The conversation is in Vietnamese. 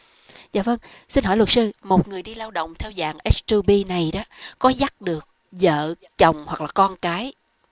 dạ vâng xin hỏi luật sư một người đi lao động theo dạng ét tu bi này đó có dắt được dợ chồng hoặc là con cái